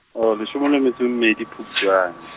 oh leshome le metso e mmedi Phupjane.